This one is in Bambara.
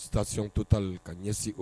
Station Total ka ɲɛsi